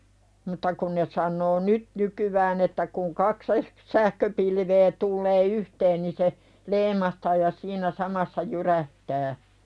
mutta kun ne sanoo nyt nykyään että kun kaksi - sähköpilveä tulee yhteen niin se leimahtaa ja siinä samassa jyrähtää